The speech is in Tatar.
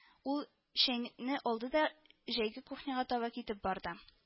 Ул чәйнекне алды да җәйге кухняга таба китеп барды